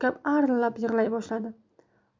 ukam arillab yig'lay boshladi